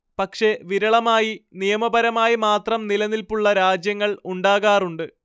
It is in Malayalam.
പക്ഷേ വിരളമായി നിയമപരമായി മാത്രം നിലനിൽപ്പുള്ള രാജ്യങ്ങൾ ഉണ്ടാകാറുണ്ട്